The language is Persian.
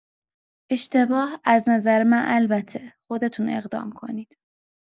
اشتباه، از نظر من البته، خودتون اقدام کنید.